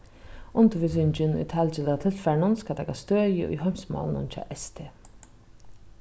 undirvísingin í talgilda tilfarinum skal taka støði í heimsmálunum hjá st